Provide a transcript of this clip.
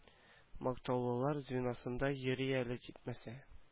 Мактаулылар звеносында йөри әле җитмәсә